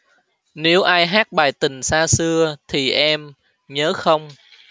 nếu ai hát bài tình xa xưa thì em nhớ không